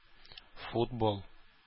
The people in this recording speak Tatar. Футбол